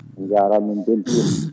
a jarama min beltima